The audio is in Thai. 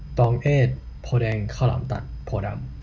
ตองเอซโพธิ์แดงข้าวหลามตัดโพธิ์ดำ